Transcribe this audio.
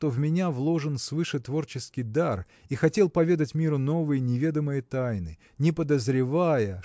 что в меня вложен свыше творческий дар и хотел поведать миру новые неведомые тайны не подозревая